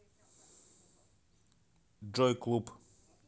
joy club